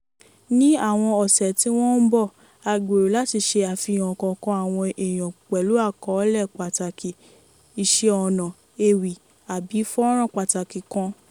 Ní àwọn ọ̀sẹ̀ tí wọ́n ń bọ̀, a gbèrò láti ṣe àfihàn ọ̀kọ̀ọ̀kan àwọn èèyàn pẹ̀lú àkọọ́lẹ̀ pàtàkì, iṣẹ́ ọnà, ewì, àbí fọ́nràn pàtàkì kan.